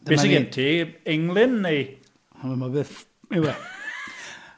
Be sy gen ti? Englyn, neu... Sa i gwbod beth yw e .